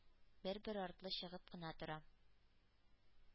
Бер-бер артлы чыгып кына тора.